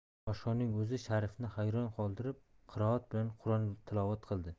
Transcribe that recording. boshqonning o'zi sharifni hayron qoldirib qiroat bilan qur'on tilovat qildi